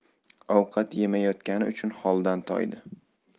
ovqat yemayotgani uchun holdan toydi